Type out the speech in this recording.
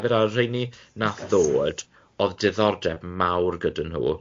Gyda rheini wnath ddod o'dd diddordeb mawr gyda nhw,